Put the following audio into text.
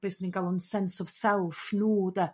be swn i'n galw'n sense of self nhw 'de?